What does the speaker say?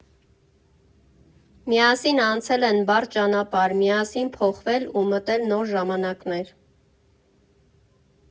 Միասին անցել են բարդ ճանապարհ, միասին փոխվել ու մտել նոր ժամանակներ։